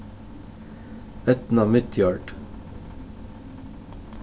eydna midjord